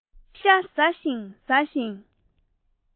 བྱིའུ ཤ ཟ བཞིན ཟ བཞིན